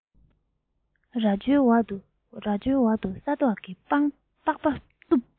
རྭ ཅོའི འོག ཏུ ས མདོག གིས པགས པས བཏུམས